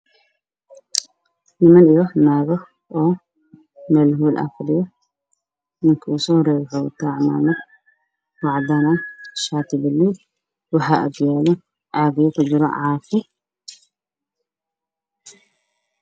Niman iyo naago oo meel hool ah fadhiyo